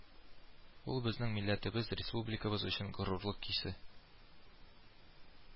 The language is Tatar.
Ул безнең милләтебез, республикабыз өчен горурлык хисе